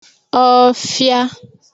ọfịa